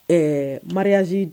Ɛɛ mariazali